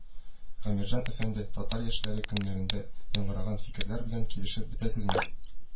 - гамирҗан әфәнде, татар яшьләре көннәрендә яңгыраган фикерләр белән килешеп бетәсезме